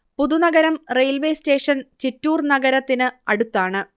Puthunagaram railway station Chittur നഗരത്തിന് അടുത്താണ്